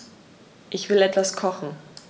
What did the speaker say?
Ich will etwas kochen.